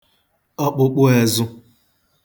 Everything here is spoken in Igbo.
ọkpụkpụēzụ̄